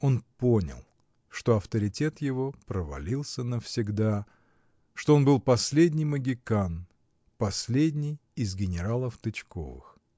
Он понял, что авторитет его провалился навсегда, что он был последний могикан, последний из генералов Тычковых!